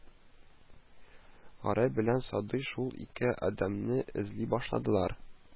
Гәрәй белән Садыйк шул ике адәмне эзли башладылар